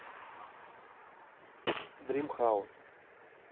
дрим хаус